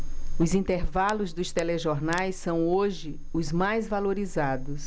os intervalos dos telejornais são hoje os mais valorizados